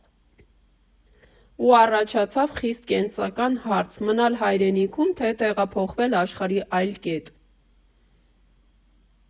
Ու առաջացավ խիստ կենսական հարց՝ մնալ հայրենիքո՞ւմ, թե՞ տեղափոխվել աշխարհի այլ կետ։